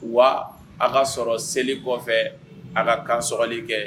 Wa a ka sɔrɔ seli kɔfɛ a ka kanli kɛ